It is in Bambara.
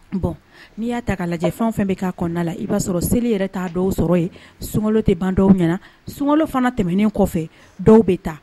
Bon n'i y'a ta ka lajɛ fɛn fɛn bɛ ka kɔnɔna la, i b'a sɔrɔ seli yɛrɛ ta dɔw sɔrɔ yen, sunkalo tɛ ban dɔw ɲɛna, sunkalo fana tɛmɛnen kɔfɛ, dɔw bɛ taa.